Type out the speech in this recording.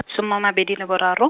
soma a mabedi le boraro.